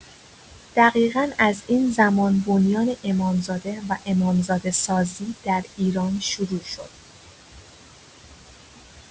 دقیقا از این زمان بنیان امامزاده و امامزاده سازی در ایران شروع شد.